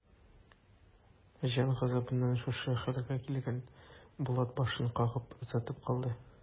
Җан газабыннан шушы хәлгә килгән Булат башын кагып озатып калды.